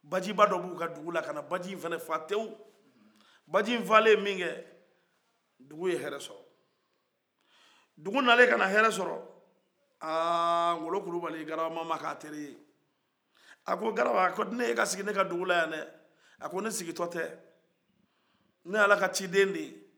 bajiba dɔ b'o ka dugula kana baji in fana fa tew baji in fale mikɛ dugu ye heɛrɛ sɔrɔ dugu nalen kana hɛɛrɛ sɔrɔ aa ngolo kulibali ye garabamama kɛ a teri ye a ko gariba a ka ne y'e ka sigi ne ka dugula yan dɛɛ a ko ne sigitɔ tɛ ne ye ala ka ciden de ye